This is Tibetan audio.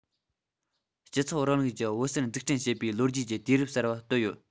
སྤྱི ཚོགས རིང ལུགས ཀྱི བོད གསར འཛུགས སྐྲུན བྱེད པའི ལོ རྒྱུས ཀྱི དུས རབས གསར པ གཏོད ཡོད